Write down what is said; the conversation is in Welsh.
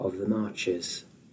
of the Marches*